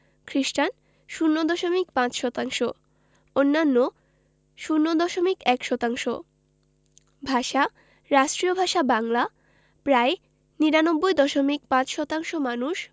খ্রিস্টান ০দশমিক ৫ শতাংশ অন্যান্য ০দশমিক ১ শতাংশ ভাষাঃ রাষ্ট্রীয় ভাষা বাংলা প্রায় ৯৯দশমিক ৫শতাংশ মানুষ